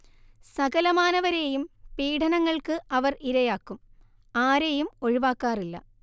സകലമാനവരെയും പീഢനങ്ങൾക്ക് അവർ ഇരയാക്കും ആരെയും ഒഴിവാക്കാറില്ല